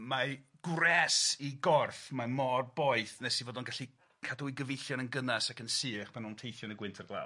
mae gwres 'i gorff, mae mor boeth, nes 'i fod o'n gallu cadw 'i gyfeillion yn gynas ac yn sych pan nw'n teithio yn y gwynt a'r glaw.